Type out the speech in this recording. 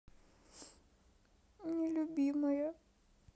нелюбимая